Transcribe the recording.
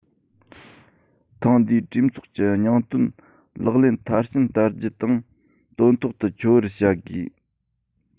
ཐེངས འདིའི གྲོས ཚོགས ཀྱི སྙིང དོན ལག ལེན མཐར ཕྱིན བསྟར རྒྱུ དང དོན ཐོག ཏུ འཁྱོལ བར བྱ དགོས